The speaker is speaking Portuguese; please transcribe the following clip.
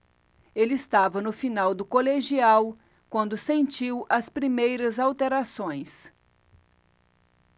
ele estava no final do colegial quando sentiu as primeiras alterações